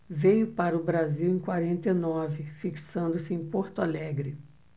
veio para o brasil em quarenta e nove fixando-se em porto alegre